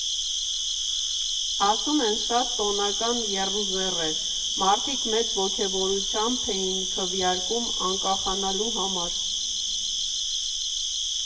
Ասում են՝ շատ տոնական եռուզեռ էր, մարդիկ մեծ ոգևորվածությամբ էին քվեարկում անկախանալու համար…